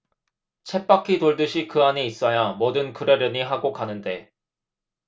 쳇바퀴 돌 듯이 그 안에 있어야 뭐든 그러려니 하고 가는데